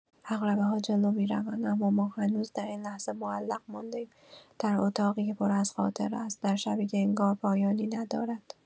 عقربه‌ها جلو می‌روند، اما ما هنوز در این لحظه معلق مانده‌ایم، در اتاقی که پر از خاطره است، در شبی که انگار پایانی ندارد.